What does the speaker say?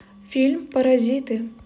фильм паразиты